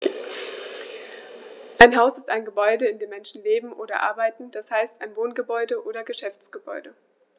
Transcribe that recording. Ein Haus ist ein Gebäude, in dem Menschen leben oder arbeiten, d. h. ein Wohngebäude oder Geschäftsgebäude.